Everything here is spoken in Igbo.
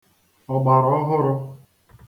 ọgbàràọhụrụ